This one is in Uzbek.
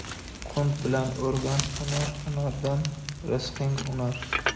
qunt bilan o'rgan hunar hunardan rizqing unar